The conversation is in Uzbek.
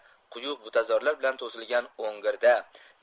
quyuq butazorlar bilan to'silgan o'ngirda